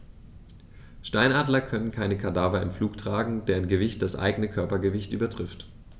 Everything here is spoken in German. Steinadler können keine Kadaver im Flug tragen, deren Gewicht das eigene Körpergewicht übertrifft.